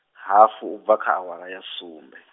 hafu u bva kha awara ya sumbe.